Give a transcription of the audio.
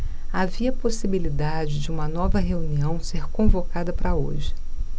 havia possibilidade de uma nova reunião ser convocada para hoje